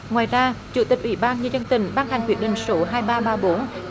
ngoài ra chủ tịch ủy ban nhân dân tỉnh ban hành quyết định số hai ba ba bốn